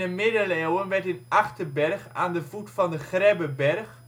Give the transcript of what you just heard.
Middeleeuwen werd in Achterberg aan de voet van de Grebbeberg